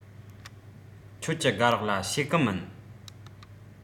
ཁྱོད ཀྱི དགའ རོགས ལ བཤད གི མིན